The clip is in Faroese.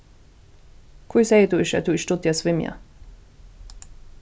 hví segði tú ikki at tú ikki dugdi at svimja